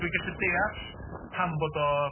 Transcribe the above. Dwi'n gallu deall pam bod o...